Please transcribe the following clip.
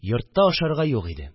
Йортта ашарга юк иде